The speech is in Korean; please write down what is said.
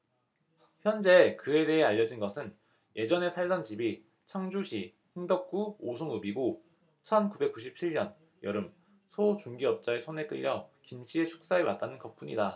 현재 그에 대해 알려진 것은 예전에 살던 집이 청주시 흥덕구 오송읍이고 천 구백 구십 칠 년 여름 소 중개업자의 손에 끌려 김씨의 축사에 왔다는 것뿐이다